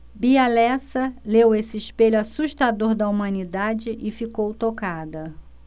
bia lessa leu esse espelho assustador da humanidade e ficou tocada